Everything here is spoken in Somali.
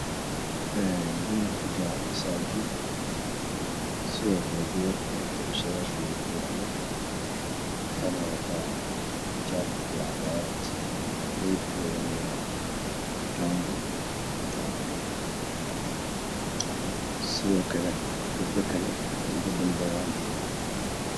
dumar kujira masajid sido kale gabar wadato in dha sha rer iya okiyaalo waxey nawadataa xijaab iyo cabaayad medeb keduna wamango kalarka sidokale gebdha kale wey iga Dan beyan ayikane